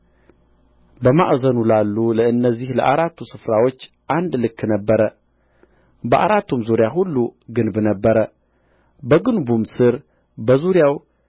በማዕዘኑ ላሉ ለእነዚህ ለአራቱ ስፍራዎች አንድ ልክ ነበረ በአራቱም ዙሪያ ሁሉ ግንብ ነበረ በግንቡም ሥር በዙሪያው